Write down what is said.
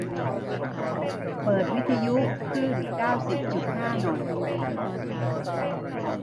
เปิดวิทยุคลื่นเก้าสิบจุดห้าหน่อย